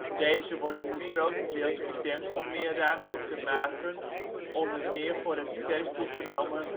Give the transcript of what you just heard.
Deze worden nu grotendeels gedempt om meer ruimte te maken, onder meer voor het sterk toegenomen